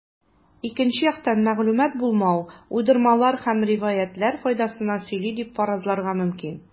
Икенче яктан, мәгълүмат булмау уйдырмалар һәм риваятьләр файдасына сөйли дип фаразларга мөмкин.